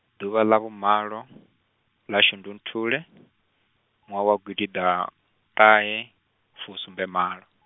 ḓuvha ḽa vhumalo , ḽa shundunthule, ṅwaha wa gidiḓaṱahefusumbemalo.